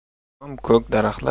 ko'm ko'k daraxtlar